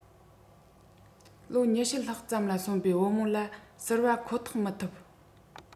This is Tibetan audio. ལོ ༢༠ ལྷག ཙམ ལ སོན པའི བུ མོ ལ བསིལ བ ཁོ ཐག མི ཐུབ